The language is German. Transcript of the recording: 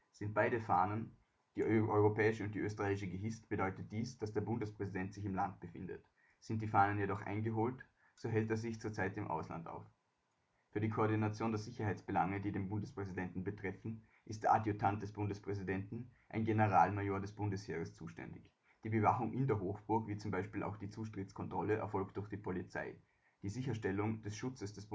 Sind beide Flaggen (die europäische und die österreichische) gehisst, bedeutet dies, dass der Bundespräsident sich im Land befindet. Sind die Flaggen jedoch eingeholt, so hält er sich zur Zeit im Ausland auf. Für die Koordination der Sicherheitsbelange, die den Bundespräsidenten betreffen, ist der Adjutant des Bundespräsidenten, ein Generalmajor des Bundesheeres, zuständig. Die Bewachung in der Hofburg, wie z. B. auch die Zutrittskontrolle, erfolgt durch die Polizei, die Sicherstellung des Schutzes des